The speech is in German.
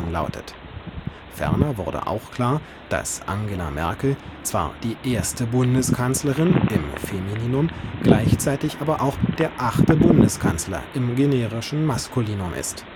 lautet. Ferner wurde auch klar, dass Angela Merkel zwar die erste Bundeskanzlerin (im Femininum), gleichzeitig aber auch der achte Bundeskanzler (im generischen Maskulinum) ist